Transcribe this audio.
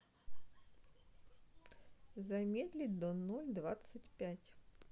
замедлить до ноль двадцать пять